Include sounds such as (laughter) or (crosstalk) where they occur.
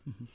(hesitation) (hesitation)